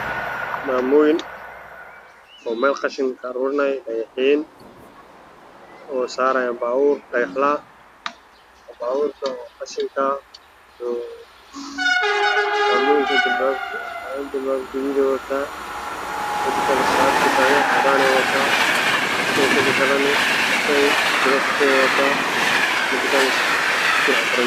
Meeshan waxay tahay gaari afar dumaya dumar ah ayaa wax ka dejinaayo